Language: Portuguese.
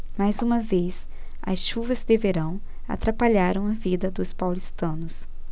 mais uma vez as chuvas de verão atrapalharam a vida dos paulistanos